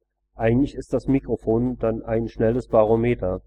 eigentlich ist das Mikrophon dann ein schnelles Barometer